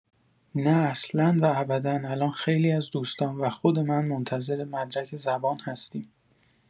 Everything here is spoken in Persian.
نه اصلا و ابدا الان خیلی از دوستان و خود من منتظر مدرک زبان هستیم.